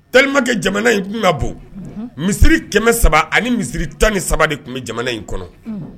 Takɛ jamana in kun ka bon misiri kɛmɛ saba ani misiri tan ni saba de tun bɛ jamana in kɔnɔ